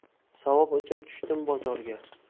savob uchun tushdim bozorga